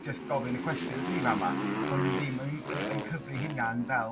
jyst gofyn y cwestiyn dwi yn fama bo' n'w ddim yn yn cyfri i hunan fel